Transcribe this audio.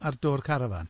ar do'r carafán?